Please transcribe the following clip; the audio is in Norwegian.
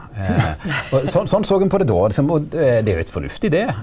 og sånn sånn såg ein på det då og liksom og det er jo heilt fornuftig det.